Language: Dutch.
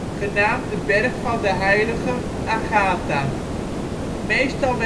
genaamd de Berg van de heilige Agatha. Meestal